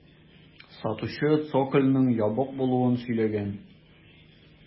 Сатучы цокольның ябык булуын сөйләгән.